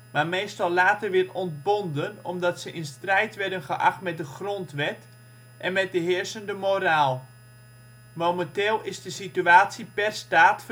maar meestal later weer ontbonden omdat ze in strijd werden geacht met de grondwet en met de heersende moraal. Momenteel is de situatie per staat